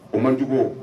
O man jugu o